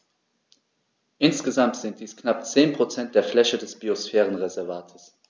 Insgesamt sind dies knapp 10 % der Fläche des Biosphärenreservates.